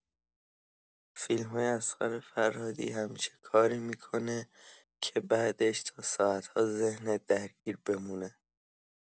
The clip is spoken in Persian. فیلمای اصغر فرهادی همیشه کاری می‌کنه که بعدش تا ساعت‌ها ذهنت درگیر بمونه.